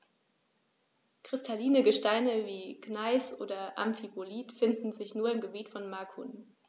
Kristalline Gesteine wie Gneis oder Amphibolit finden sich nur im Gebiet von Macun.